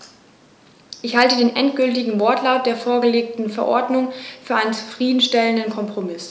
Ich halte den endgültigen Wortlaut der vorgelegten Verordnung für einen zufrieden stellenden Kompromiss.